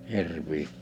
hirviä